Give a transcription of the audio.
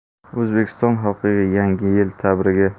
o'zbekiston xalqiga yangi yil tabrigi